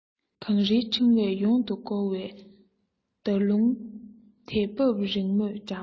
གངས རིའི འཕྲེང བས ཡོངས སུ བསྐོར བའི ཟླ ཀླུང དལ འབབ རིང མོས འགྲམ